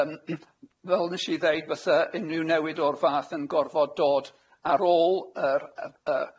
Yym i- fel nesh i ddeud fysa unrhyw newid o'r fath yn gorfod dod ar ôl yr yy